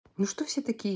ну что все такие